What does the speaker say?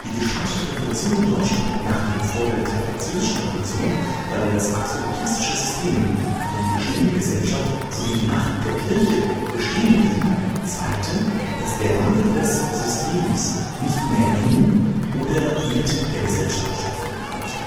gescheiterte Revolution in Deutschland, nach dem Vorbild der Französischen Revolution, bei der das absolutistische System, die Ständegesellschaft sowie die Macht der Kirche bestehen blieben, zeigte, dass der Wandel des „ Systems “nicht mehr in oder mit der Gesellschaft stattfinden konnte